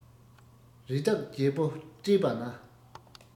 རི དྭགས རྒྱལ པོ བཀྲེས པ ན